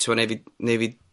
t'mod' neud fi neud fi